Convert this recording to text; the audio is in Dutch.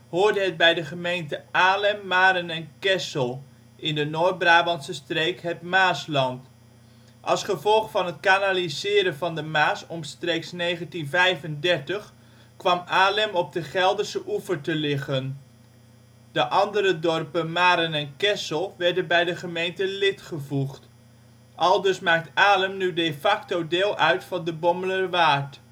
hoorde het bij de gemeente Alem, Maren en Kessel in de Noord-Brabantse streek het Maasland. Als gevolg van het kanaliseren van de Maas omstreeks 1935, kwam Alem op de Gelderse oever te liggen. De andere dorpen Maren en Kessel werden bij de gemeente Lith gevoegd. Aldus maakt Alem nu de facto deel uit van de Bommelerwaard